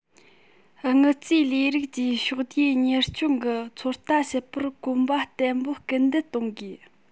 དངུལ རྩའི ལས རིགས ཀྱིས ཕྱོགས བསྡུས གཉེར སྐྱོང གི ཚོད ལྟ བྱེད པར གོམ པ བརྟན པོས སྐུལ འདེད གཏོང དགོས